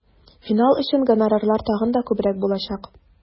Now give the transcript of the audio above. Финал өчен гонорарлар тагын да күбрәк булачак.